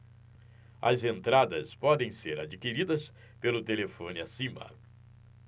as entradas podem ser adquiridas pelo telefone acima